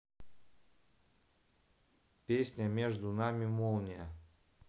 песня между нами молния